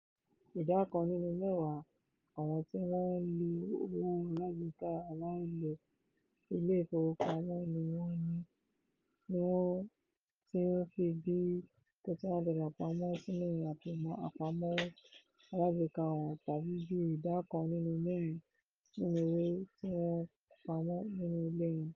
Ìdá kan nínú mẹ́wàá àwọn tí wọ́n ń lo owó alágbèéká aláìlo-ilé-ìfowópamọ̀ ni wọ́n tí ń fi bíi $31 pamọ́ sínú àpamọ́wọ́ alágbèéká wọn, tàbí bíi idà kan nínú mẹ́rin nínú owó tí wọ́n ń pamọ́ nínú ilé wọn.